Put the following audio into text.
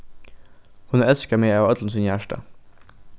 hon elskar meg av øllum sínum hjarta